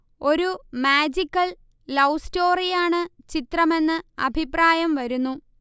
ഒരു magical love സ്റ്റോറിയാണ് ചിത്രമെന്ന് അഭിപ്രായം വരുന്നു